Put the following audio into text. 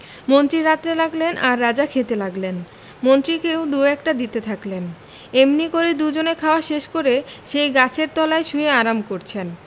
মন্ত্রী রাঁধতে লাগলেন আর রাজা খেতে লাগলেন মন্ত্রীকেও দু একটা দিতে থাকলেন এমনি করে দুজনে খাওয়া শেষ করে সেই গাছের তলায় শুয়ে আরাম করছেন